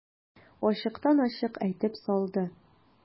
Ачыктан-ачык әйтеп салды.